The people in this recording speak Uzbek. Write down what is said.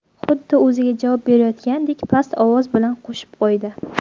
xuddi o'ziga javob berayotgandek past ovoz bilan qo'shib qo'ydi